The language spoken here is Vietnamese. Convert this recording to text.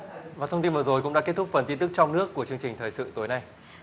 và thông tin vừa rồi cũng đã kết thúc phần tin tức trong nước của chương trình thời sự tối nay